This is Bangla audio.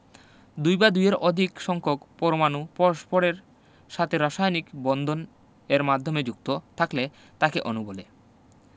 দুই বা দুইয়ের অধিক সংখ্যক পরমাণু পরস্পরের সাথে রাসায়নিক বন্ধনএর মাধ্যমে যুক্ত থাকলে তাকে অণু বলে